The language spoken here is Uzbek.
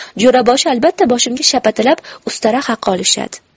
jo'raboshi albatta boshimga shapatilab ustara haqi olishadi